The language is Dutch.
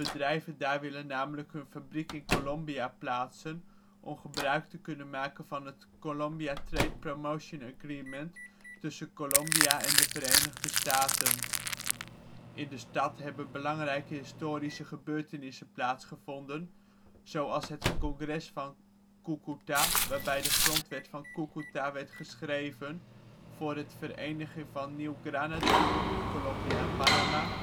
Bedrijven daar willen namelijk hun fabriek in Colombia plaatsen om gebruik te kunnen maken van het Colombia Trade Promotion Agreement tussen Colombia en de Verenigde Staten. In de stad hebben belangrijke historische gebeurtenissen plaatsgevonden, zoals het Congres van Cúcuta (waarbij de Grondwet van Cúcuta werd geschreven voor het verenigen van Nieuw-Granada (Colombia en Panama